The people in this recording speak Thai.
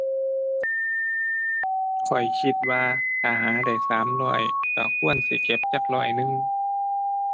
ข้อยคิดว่าถ้าหาได้สามร้อยก็ควรสิเก็บจักร้อยหนึ่ง